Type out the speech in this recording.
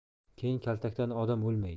keyin kaltakdan odam o'lmaydi